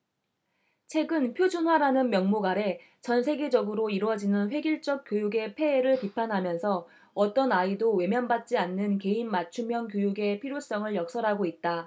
책은 표준화라는 명목 아래 전세계적으로 이뤄지는 획일적 교육의 폐해를 비판하면서 어떤 아이도 외면 받지 않는 개인 맞춤형 교육의 필요성을 역설하고 있다